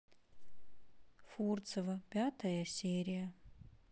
фурцева пятая серия